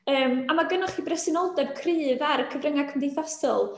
Yym a ma' gennych chi bresenoldeb cryf ar y cyfryngau cymdeithasol.